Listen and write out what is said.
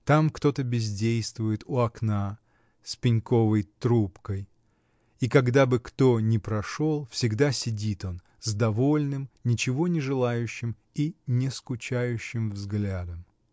Там кто-то бездействует у окна, с пенковой трубкой, и когда бы кто ни прошел, всегда сидит он — с довольным, ничего не желающим и нескучающим взглядом.